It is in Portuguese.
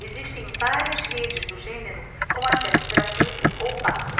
existem várias redes do gênero com acesso gratuito ou pago